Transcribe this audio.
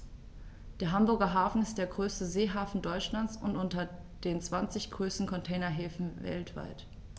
Der Hamburger Hafen ist der größte Seehafen Deutschlands und unter den zwanzig größten Containerhäfen weltweit.